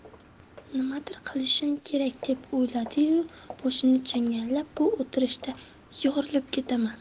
nimadir qilishim kerak deb o'yladi u boshini changallab bu o'tirishda yorilib ketaman